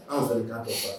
Anw' kɔfɛ